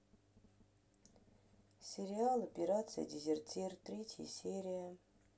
сериал операция дезертир третья серия